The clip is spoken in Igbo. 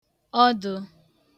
ọdụ